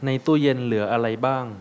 ในตู้เย็นเหลืออะไรบ้าง